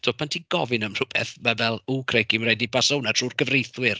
Tibod pan ti'n gofyn am rywbeth ma' fel, oh crikey ma' raid i ni basio hwnna trwy'r cyfreithwyr.